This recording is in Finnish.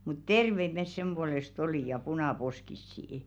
mutta terveitä me sen puolesta oli ja punaposkisia